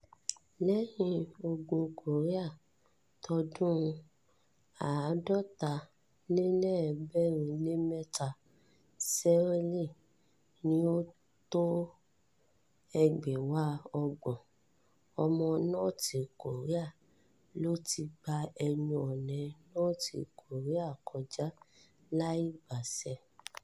Lẹ́yìn Ogun Korea t’ọdún 1953, Seoul ní ó tó 30,000 ọmọ North Korea ló ti gba ẹnu ọ̀nà North Korea kọjá láìgbaṣẹ.